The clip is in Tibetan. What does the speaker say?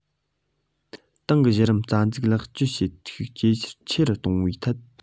ཏང གི གཞི རིམ རྩ འཛུགས ལེགས སྐྱོང བྱེད ཤུགས ཆེ རུ གཏོང བའི ཐད